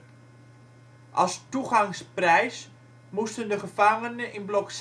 Als " toegangsprijs " moesten de gevangenen in blok